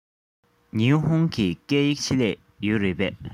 ཉི ཧོང གི སྐད ཡིག ཆེད ལས ཡོད རེད པས